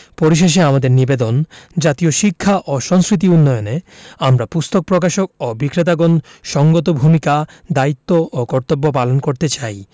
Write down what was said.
পরিশেষে আমাদের নিবেদন জাতীয় শিক্ষা ও সংস্কৃতি উন্নয়নে আমরা পুস্তক প্রকাশক ও বিক্রেতাগণ সঙ্গত ভূমিকা দায়িত্ব ও কর্তব্য পালন করতে চাই